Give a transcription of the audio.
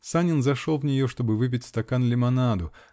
Санин зашел в нее, чтобы выпить стакан лимонаду